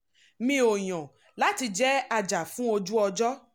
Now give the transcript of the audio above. Mi ò yàn láti jẹ́ ajà-fún-ojú-ọjọ́.